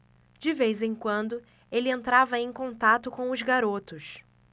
de vez em quando ele entrava em contato com os garotos